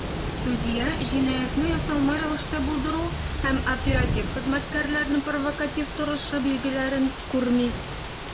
Судья "җинаятьне ясалма рәвештә булдыру" һәм "оператив хезмәткәрләрнең провокатив торышы" билгеләрен күрми.